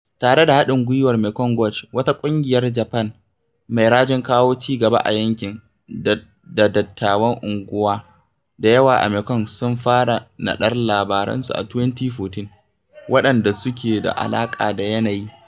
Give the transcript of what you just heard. Tare da haɗin guiwar Mekong Watch, wata ƙungiyar Japan mai rajin kawo cigaba a yankin, da dattawan unguwa da yawa a Mekong sun fara naɗar labaransu a 2014 waɗanda suke da alaƙa da yanayi.